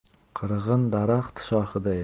qirg'in daraxt shoxida